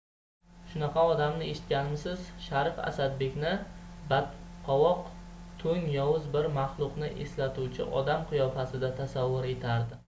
shunaqa odamni eshitganmisiz sharif asadbekni badqovoq to'ng yovuz bir maxluqni eslatuvchi odam qiyofasida tasavvur etardi